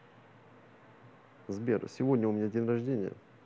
сбер сегодня у меня день рождения